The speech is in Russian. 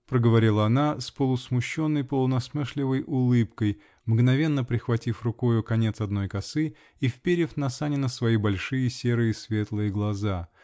-- проговорила она с полусмущенной, полунасмешливой улыбкой, мгновенно прихватив рукою конец одной косы и вперив на Санина свои большие серые светлые глаза.